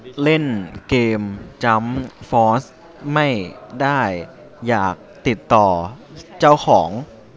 เล่นเกมจั๊มฟอสไม่ได้อยากติดต่อเจ้าของ